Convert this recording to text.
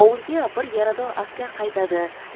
ovulga bir yarador askar qaytadi